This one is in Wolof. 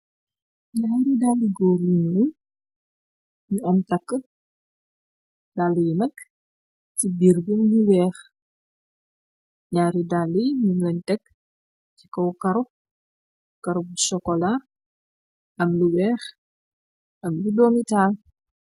Ñaari dalli goor yu ñuul yu am takk, dalli yi nak ci biir bi mu weeh. Ñaari dalli nungi leen tekk ci kaw karu, karu bu shokola am lu weeh, am bu doomitaal.